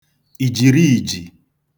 ìjìriij̀ì